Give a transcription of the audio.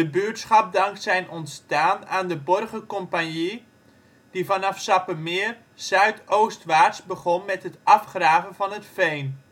buurtschap dankt zijn ontstaan aan de Borgercompagnie, die vanaf Sappemeer zuid-oostwaarts begon met het afgraven van het veen